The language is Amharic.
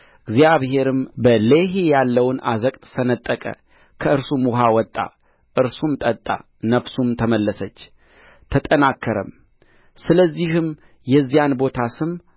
እግዚአብሔርም በሌሒ ያለውን አዘቅት ሰነጠቀ ከእርሱም ውኃ ወጣ እርሱም ጠጣ ነፍሱም ተመለሰች ተጠናከረም ስለዚህም የዚያን ቦታ ስም